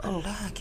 An hakɛki